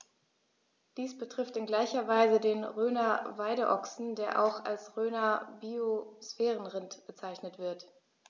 Dies betrifft in gleicher Weise den Rhöner Weideochsen, der auch als Rhöner Biosphärenrind bezeichnet wird.